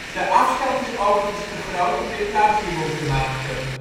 De afstand is overigens te groot om dit plausibel te maken